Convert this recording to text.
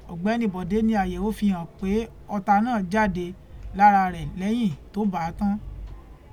Ọ̀gbẹ́ni Bọ̀dé ni àyẹ̀wò fi hàn pé ọta náà jáde lára rẹ̀ lẹ́yìn tó bà á tán.